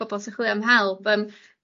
pobol sy chwilio am help yym